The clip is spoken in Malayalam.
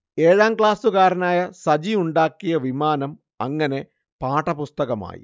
ഏഴാം ക്ലാസ്സുകാരനായ സജി ഉണ്ടാക്കിയ വിമാനം അങ്ങനെ പാഠപുസ്തകമായി